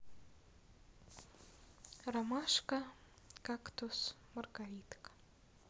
ромашка кактус маргаритка